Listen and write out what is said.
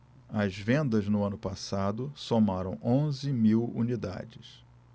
as vendas no ano passado somaram onze mil unidades